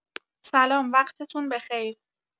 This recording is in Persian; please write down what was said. سلام وقتتون بخیر.